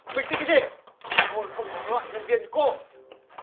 bình tĩnh cái gì tôi không có cái loại nhân viên như cô